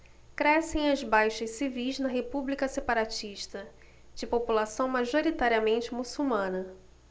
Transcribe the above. crescem as baixas civis na república separatista de população majoritariamente muçulmana